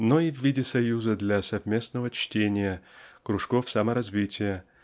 но и в виде союза для совместного чтения кружков саморазвития